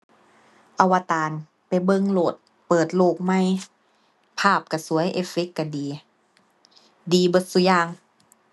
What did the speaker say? Avatar ไปเบิ่งโลด เปิดโลกใหม่ ภาพก็สวยเอฟเฟกต์ก็ดี ดีเบิดซุอย่าง